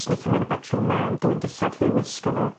snîcio myn i bedroom mam dwyn dillad hi wisgo n'w.